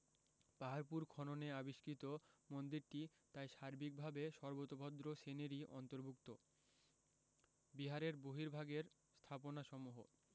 পাহাড়পুর খননে আবিষ্কৃত মন্দিরটি তাই সার্বিক ভাবে সর্বোতভদ্র শ্রেণিরই অন্তর্ভুক্ত বিহারের বহির্ভাগের সহাপনাসমূহঃ